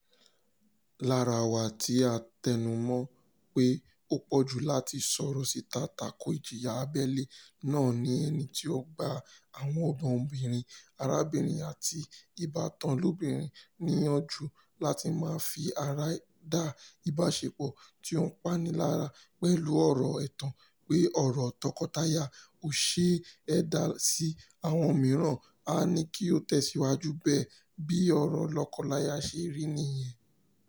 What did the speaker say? Lára wa tí à ń tẹnumọ́ ọn pé ó pọ̀jù [láti sọ̀rọ̀ síta tako ìjìyà Abẹ́lé] náà ni ẹni tí ó ń gba àwọn ọmọbìnrin, arábìnrin àti ìbátan lóbìnrin níyànjú láti máa fi ara da ìbáṣepọ̀ tí ó ń pani lára pẹ̀lú ọ̀rọ̀-ẹ̀tàn pé ọ̀rọ̀ tọkọtaya ò ṣe é dá sí, àwọn mìíràn á ní kí o tẹ̀síwajú bẹ́ẹ̀, bí ọ̀rọ̀ lọ́kọláya ṣe rí nìyẹn...